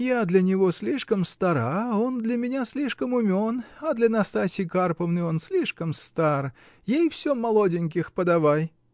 Я для него слишком стара, он для меня слишком умен, а для Настасьи Карповны он слишком стар: ей все молоденьких подавай.